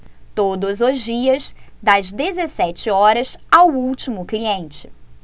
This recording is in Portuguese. todos os dias das dezessete horas ao último cliente